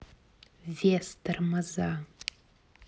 вес тормоза